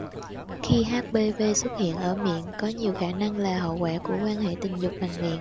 khi hpv xuất hiện ở miệng có nhiều khả năng là hậu quả của quan hệ tình dục bằng miệng